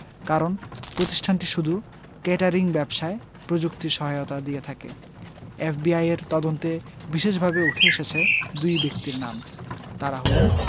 কারণ প্রতিষ্ঠানটি শুধু কেটারিং ব্যবসায় প্রযুক্তি সহায়তা দিয়ে থাকে এফবিআইয়ের তদন্তে বিশেষভাবে উঠে এসেছে দুই ব্যক্তির নাম তাঁরা হলেন